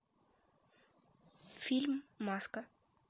фильм маска